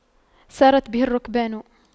سارت به الرُّكْبانُ